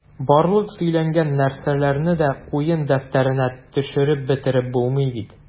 Барлык сөйләнгән нәрсәләрне дә куен дәфтәренә төшереп бетереп булмый бит...